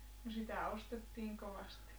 no sitä ostettiin kovasti